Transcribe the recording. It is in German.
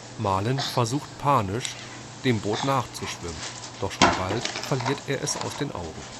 Marlin versucht panisch, dem Boot nachzuschwimmen, doch schon bald verliert er es aus den Augen